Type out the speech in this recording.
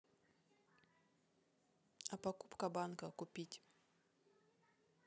а покупка банка купить